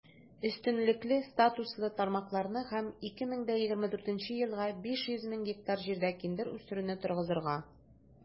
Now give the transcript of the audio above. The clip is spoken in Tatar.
Өстенлекле статуслы тармакларны һәм 2024 елга 500 мең гектар җирдә киндер үстерүне торгызырга.